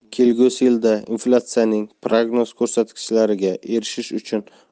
kelgusi yilda inflyatsiyaning prognoz ko'rsatkichlariga erishish uchun